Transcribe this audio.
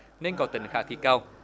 nên có tính khả thi cao